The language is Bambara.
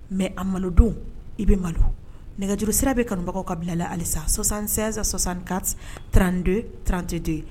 Mɛ a malodenw i bɛ malo nɛgɛj sira bɛ kanubagaw ka bilala alisa sɔsansansan sɔsan ka trante trante de